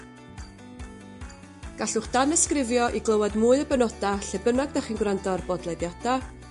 Gallwch danysgrifio i glywed mwy o benoda' lle bynnag 'dach chi'n gwrando a'r bodlediada.